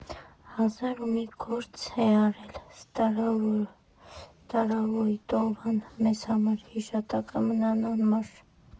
Հազար ու մի գործ է արել Ստարավոյտովան մեզ համար, հիշատակը մնա անմար։